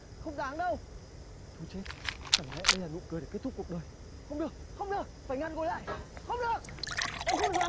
không đáng đâu thôi chết chẳng lẽ đây là nụ cười để kết thúc cuộc đời không được không được phải ngăn cô ấy lại không được em không được làm